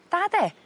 Da 'de?